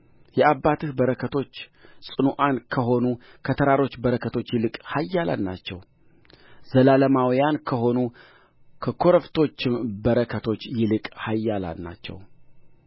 የአባትህ በረከቶች ጽኑዓን ከሆኑ ከተራሮች በረከቶች ይልቅ ኃያላን ናቸው ዘላለማውያን ከሆኑ ከኮረፍቶችም በረከቶች ይልቅ ኃያላን ናቸው